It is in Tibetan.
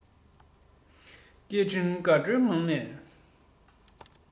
སྐད འཕྲིན དགའ སྤྲོའི ངང ནས